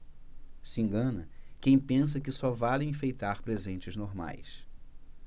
se engana quem pensa que só vale enfeitar presentes normais